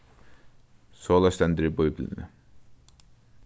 soleiðis stendur í bíbliuni